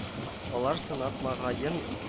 Алар сынатмагаен